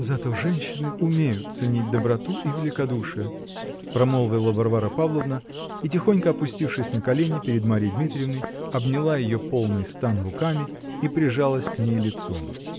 -- Зато женщины умеют ценить доброту и великодушие, -- промолвила Варвара Павловна и, тихонько опустившись на колени перед Марьей Дмитриевной, обвила ее полный стан руками и прижалась к ней лицом.